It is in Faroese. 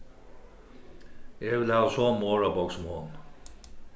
eg vil hava somu orðabók sum hon